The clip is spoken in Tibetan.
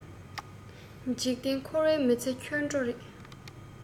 འཇིག རྟེན འཁོར བའི མི ཚེ འཁྱོལ འགྲོ རེད